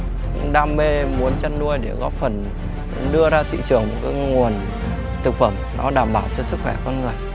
đam mê muốn chăn nuôi để góp phần đưa ra thị trường cái nguồn thực phẩm nó đảm bảo cho sức khỏe con người